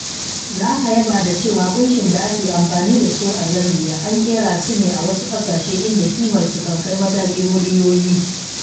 Za ka yaba da cewa kunshin da ake amfani da su a zambia an kera su ne a wasu kasashe inda kimarsu kan kai matakin miliyoyi.